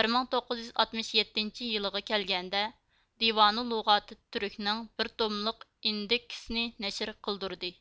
بىر مىڭ توققۇز يۈز ئاتمىش يەتتىنچى يىلىغا كەلگەندە دىۋانۇ لۇغاتىت تۈرك نىڭ بىر توملۇق ئىندېكسنى نەشر قىلدۇردى